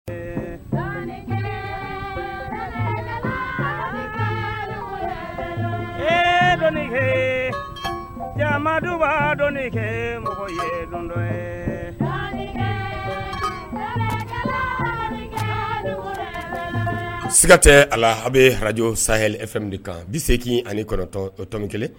Ni kɛ cɛdu kɛ mɔgɔ ye siga tɛ a a bɛ araj saf kan bi segin ani kɔrɔtomi kelen